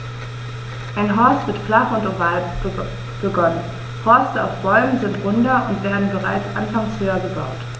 Ein Horst wird flach und oval begonnen, Horste auf Bäumen sind runder und werden bereits anfangs höher gebaut.